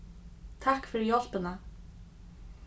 takk fyri hjálpina